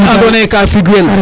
ma ando naye ka fig wel